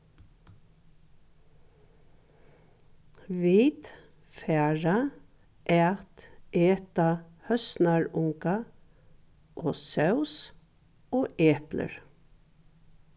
vit fara at eta høsnarunga og sós og eplir